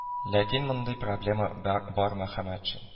Ләкин мондый проблема ба бар мөхәммәтшин